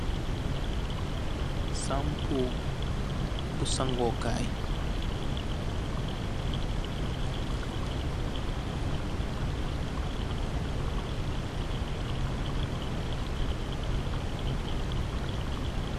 Shampoo, bu sangoo kaay.